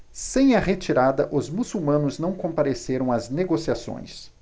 sem a retirada os muçulmanos não compareceram às negociações